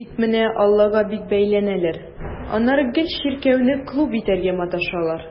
Тик менә аллага бик бәйләнәләр, аннары гел чиркәүне клуб итәргә маташалар.